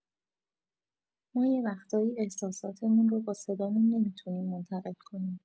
ما یه وقتایی احساساتمون رو با صدامون نمی‌تونیم منتقل کنیم.